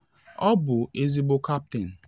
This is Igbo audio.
Ọ bụ ezigbo kaptịn.